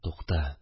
Тукта